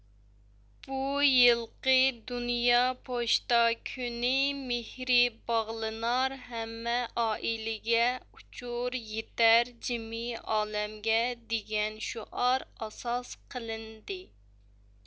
بۇ يىلقى دۇنيا پوچتا كۈنى مېھرى باغلىنار ھەممە ئائىلىگە ئۇچۇر يېتەر جىمى ئالەمگە دېگەن شوئار ئاستىدا ئېلىندى